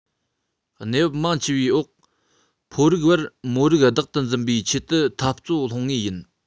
གནས བབ མང ཆེ བའི འོག ཕོ རིགས བར མོ རིགས བདག ཏུ འཛིན པའི ཆེད དུ འཐབ རྩོད སློང ངེས པ རེད